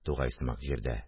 (тугай сымак җирдә)